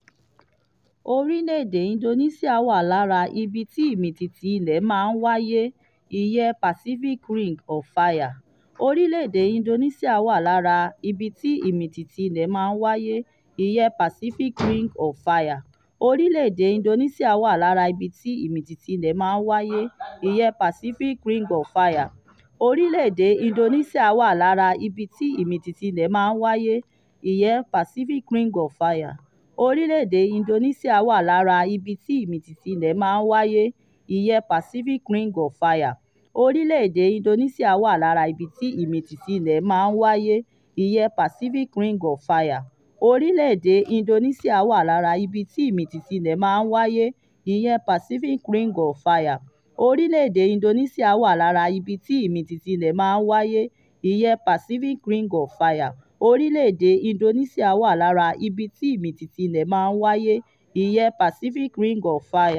Orílẹ̀-èdè Indonesia wà lára ibi tí ìmìtìtì ilẹ̀ máa ń wáyé, ìyẹn Pacific Ring of Fire.